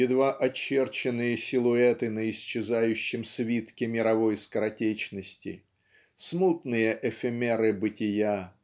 едва очерченные силуэты на исчезающем свитке мировой скоротечности смутные эфемеры бытия